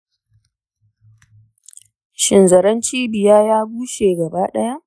shin zaren cibiya ya bushe gaba ɗaya?